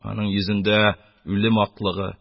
Аның йөзендә үлем аклыгы,